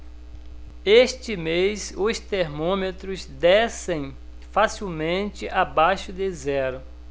este mês os termômetros descem facilmente abaixo de zero